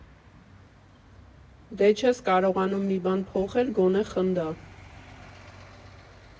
Դե, չես կարողանում մի բան փոխել, գոնե՝ խնդա։